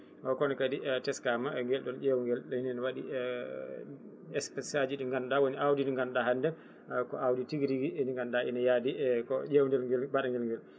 kono kadi teskama nguel ɗon ƴewguel e ngeul waɗi espéces aji ɗi ganduɗa woni awdi ndi gandiɗa hande ko awdi tigui rigui e ndi ganduɗa ene yaadi e ko ƴewdirguel gandane nguel